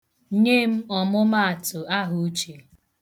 Nye m ọmụmaatụ ahauche.